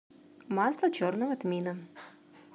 масло черного тмина